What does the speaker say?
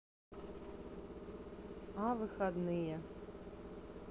а выходные